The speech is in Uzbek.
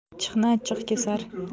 achchiqni achchiq kesar